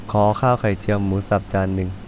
ขอข้าวไข่เจียวหมูสับจานนึง